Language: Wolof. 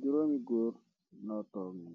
Juróomi góor notok ni